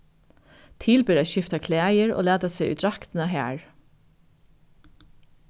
til ber at skifta klæðir og lata seg í draktina har